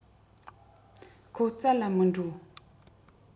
ཁོ བཙལ ལ མི འགྲོ